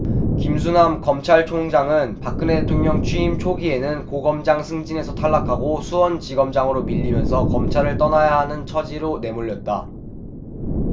김수남 검찰총장은 박근혜 대통령 취임 초기에는 고검장 승진에서 탈락하고 수원지검장으로 밀리면서 검찰을 떠나야 하는 처지로 내몰렸다